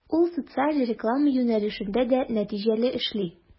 Ул социаль реклама юнәлешендә дә нәтиҗәле эшли.